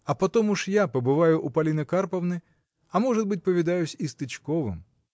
А потом уж я побываю у Полины Карповны, а может быть, повидаюсь и с Тычковым.